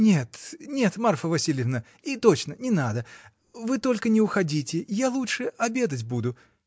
— Нет, нет, Марфа Васильевна, и точно не надо, вы только не уходите я лучше обедать буду.